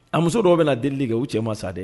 A muso dɔw bɛna delili kɛ u cɛ ma sa dɛ